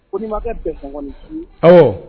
Ko nikɛ bɛn fɔ aw